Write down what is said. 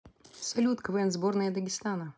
салют квн сборная дагестана